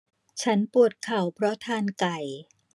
ฉันปวดเข่าเพราะทานไก่